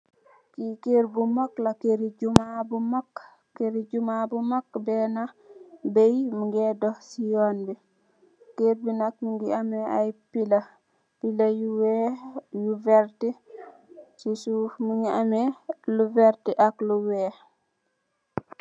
ki goor bu mak la, keur ganar bu mak la, bena beye mungi dokh ci yun bi. Keur bi nak mungi ame aye tiba yu weex tu verte ci suff mungi ame lu verte ak lu weex.